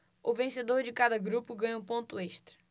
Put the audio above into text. o vencedor de cada grupo ganha um ponto extra